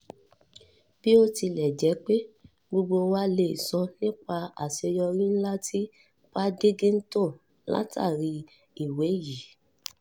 Bí ó tilẹ̀ jẹ́ pé gbogbo wa lè sọ nípa àseyọrí ǹlà ti Paddington látàrí ìwé yìí.”